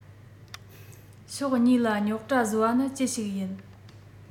ཕྱོགས གཉིས ལ རྙོག དྲ བཟོ བ ནི ཅི ཞིག ཡིན